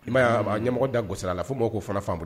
I m'a ye, a ɲɛmɔgɔ da gosira a la, fo mɔgɔ ko yɔrɔ faamu